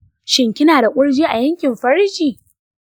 shin kina da kurji a yankin farji?